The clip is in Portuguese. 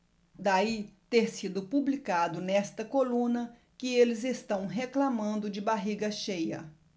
daí ter sido publicado nesta coluna que eles reclamando de barriga cheia